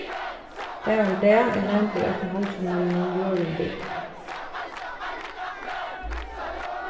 dagurin í dag er nevndur eftir halgimenninum jørundur